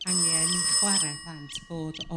angen i chwar'e plant fod o